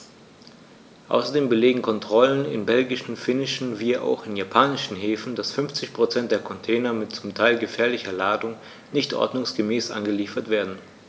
Außerdem belegen Kontrollen in belgischen, finnischen wie auch in japanischen Häfen, dass 50 % der Container mit zum Teil gefährlicher Ladung nicht ordnungsgemäß angeliefert werden.